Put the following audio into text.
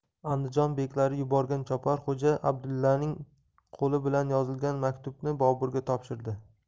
andijon beklari yuborgan chopar xo'ja abdullaning qo'li bilan yozilgan maktubni boburga topshirdi